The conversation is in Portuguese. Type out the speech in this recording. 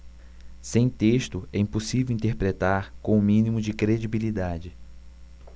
sem texto é impossível interpretar com o mínimo de credibilidade